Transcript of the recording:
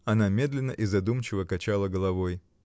Она медленно и задумчиво качала головой.